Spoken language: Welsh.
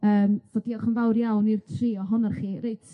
Yym so diolch yn fawr iawn i'r tri ohonoch chi. Reit.